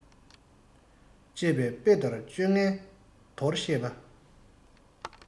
ཅེས པའི དཔེ ལྟར སྤྱོད ངན འདོར ཤེས པ